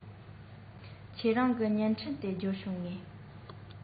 ཁྱེད རང གི བརྙན འཕྲིན དེ འབྱོར བྱུང ངས